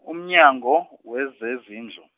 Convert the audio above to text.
uMnyango wezeZindlu.